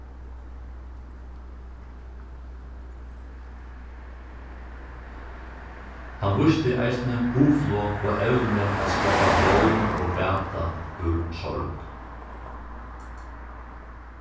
hann vísti eisini hugflog og evni at skapa vón og bata úr sorg